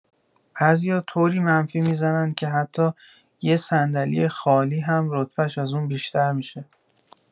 بعضیا طوری منفی می‌زنن که حتی یه صندلی خالی هم رتبش از اون بیشتر می‌شه!